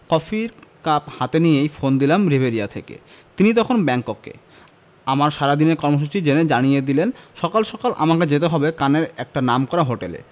কফির কাপ হাতেই নিয়ে ফোন দিলাম রিভেরিয়া থেকে তিনি তখন ব্যাংককে আমার সারাদিনের কর্মসূচি জেনে জানিয়ে দিলেন সকাল সকাল আমাকে যেতে হবে কানের একটা নামকরা হোটেলে